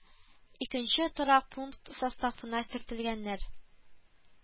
Икенче торак пункт составына кертелгәннәр